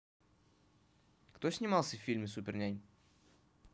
кто снимался в фильме супернянь